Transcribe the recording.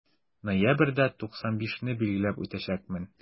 Ноябрьдә 95 не билгеләп үтәчәкмен.